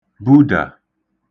budà